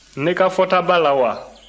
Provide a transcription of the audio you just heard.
ne ka fɔta b'a la wa